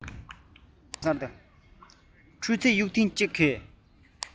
རྫས འཕྲུལ གཡུགས ཐེངས གཅིག གིས